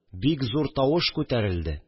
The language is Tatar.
Бик зур тавыш күтәрелде